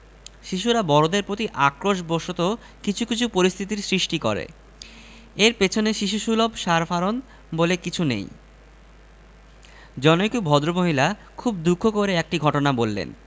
শিশুরা বড়দের প্রতি আক্রোশ বসত কিছু কিছু পরিস্থিতির সৃষ্টি করে এর পেছনে শিশুসুলভ সার ফারন বলে কিছু নেই জনৈক ভদ্রমহিলা খুব দুঃখ করে একটা ঘটনা বললেন